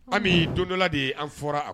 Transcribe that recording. Ami don dɔ la dɛ, an fɔra a